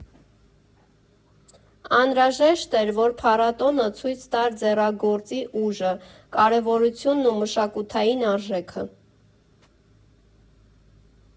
Անհրաժեշտ էր, որ փառատոնը ցույց տար ձեռագործի ուժը, կարևորությունն ու մշակութային արժեքը։